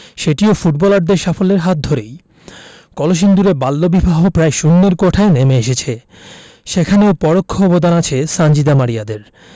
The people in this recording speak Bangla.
সেটিও ফুটবলারদের সাফল্যের হাত ধরেই কলসিন্দুরে বাল্যবিবাহ প্রায় শূন্যের কোঠায় নেমে এসেছে সেখানেও পরোক্ষ অবদান আছে সানজিদা মারিয়াদের